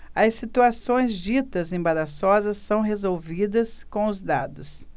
as situações ditas embaraçosas são resolvidas com os dados